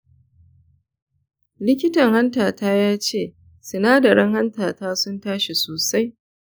likitan hantata ya ce sinadaran hantata sun tashi sosai.